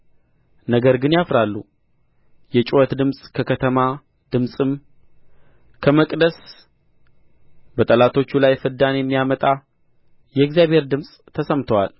ገር ግን ያፍራሉ የጩኸት ድምፅ ከከተማ ድምፅም ከመቅደስ በጠላቶቹ ላይ ፍዳን የሚያመጣ የእግዚአብሔር ድምፅ ተሰምቶአል